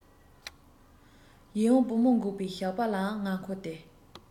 ཡིད འོང བུ མོ འགུགས པའི ཞགས པ ལའང ང མཁོ སྟེ